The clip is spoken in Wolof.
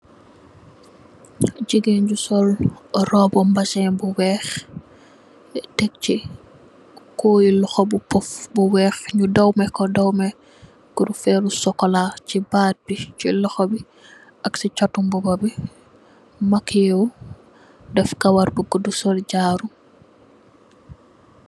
Jegain ju sol roubu mazin bu weex tekse koye lohou bu puff bu weex nu dawmeh ku dawmeh kurufelu sukola se batt be se lohou be ak se chatu muba be makeyewu def kawar bu gouda sol jaaru.